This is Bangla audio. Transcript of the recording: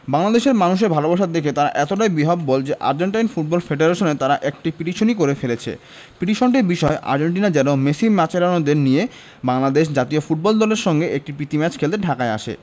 বাংলাদেশের মানুষের ভালোবাসা দেখে তারা এতটাই বিহ্বল যে আর্জেন্টাইন ফুটবল ফেডারেশনে তারা একটা পিটিশনই করে ফেলেছে পিটিশনটির বিষয় আর্জেন্টিনা যেন মেসি মাচেরানোদের নিয়ে বাংলাদেশ জাতীয় ফুটবল দলের সঙ্গে একটা প্রীতি ম্যাচ খেলতে ঢাকায় আসে